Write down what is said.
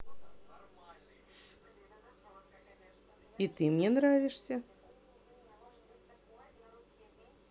и ты мне нравишься